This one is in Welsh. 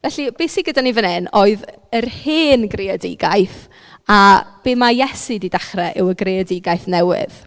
Felly be sy gyda ni fan hyn oedd yr hen greadigaeth a be ma' Iesu 'di dechrau yw y greadigaeth newydd.